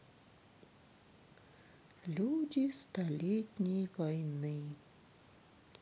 люди столетней войны